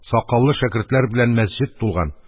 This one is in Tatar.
Сакаллы шәкертләр берлән мәсҗед тулган.